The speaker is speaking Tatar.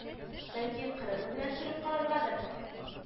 Бәлки, кырыны белән төшереп караргадыр